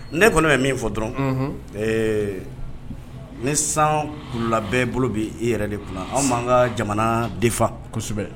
Ne kɔni bɛ min fɔ dɔrɔn ni sanla bɛ bolo bɛ e yɛrɛ de kunna anw'an ka jamana defan kosɛbɛ